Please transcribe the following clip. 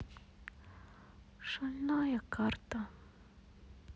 шальная карта